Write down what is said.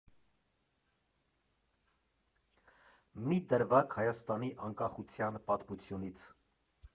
Մի դրվագ Հայաստանի անկախության պատմությունից։